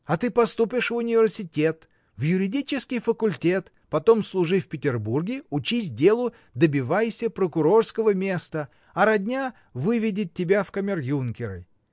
А ты поступи в университет, в юридический факультет, потом служи в Петербурге, учись делу, добивайся прокурорского места, а родня выведет тебя в камер-юнкеры.